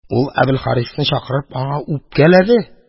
Ул, Әбелхарисны чакырып, аңа үпкәләде